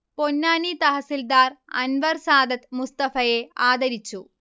പൊന്നാനി തഹസിൽദാർ അൻവർ സാദത്ത് മുസ്തഫയെ ആദരിച്ചു